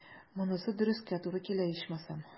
Монысы дөрескә туры килә, ичмасам.